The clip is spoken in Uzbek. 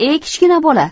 ey kichkina bola